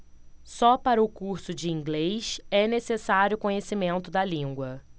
só para o curso de inglês é necessário conhecimento da língua